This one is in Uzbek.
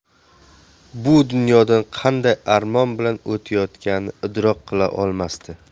bu dunyodan qanday armon bilan o'tayotganini idrok qila olmasdi